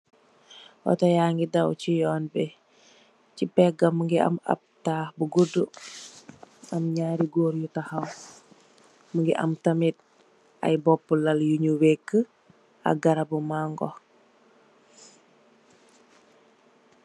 Otto ya ngi daw ci yoon bi ci pegam mu ngi am ap taxx yu guddu am ñaari gór yu taxaw. Mugii am tamit ay bopú lal yu ñu wek ay garabu mango.